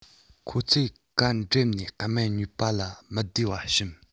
ཁོ ཚོས གཱ དྲད ནས སྨན ཉོས པ ལ མི བདེ བ བྱིན